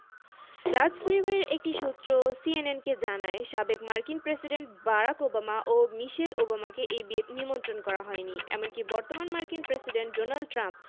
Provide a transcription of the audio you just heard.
রাজপরিবারের একটি সূত্র সিএনএনকে জানায় সাবেক মার্কিন প্রেসিডেন্ট বারাক ওবামা ও মিশেল ওবামাকে এই বিয়েতে নিমন্ত্রণ করা হয়নি এমনকি বর্তমান মার্কিন প্রেসিডেন্ট ডোনাল্ড ট্রাম্প